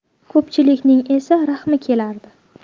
ko'pchilikning esa rahmi kelardi